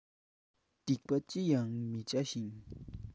སྡིག པ ཅི ཡང མི བྱ ཞིང